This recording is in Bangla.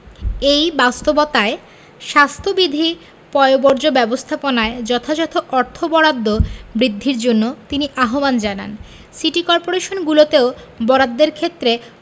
এই বাস্তবতায় স্বাস্থ্যবিধি পয়ঃবর্জ্য ব্যবস্থাপনায় যথাযথ অর্থ বরাদ্দ বৃদ্ধির জন্য তিনি আহ্বান জানান সিটি করপোরেশনগুলোতে বরাদ্দের ক্ষেত্রে